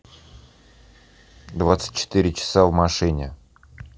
двадцать четыре часа в машине